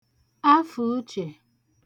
afàuchè